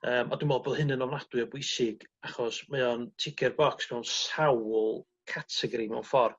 Yym a dwi me'wl bo' hyn yn ofnadwy o bwysig achos mae o'n ticio'r bocs mewn sawl categori mewn ffor.